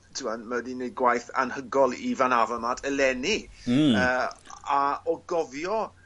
t'wo ma' 'di neud gwaith anhygol i van Avermaet eleni. Hmm. Yy a o gofio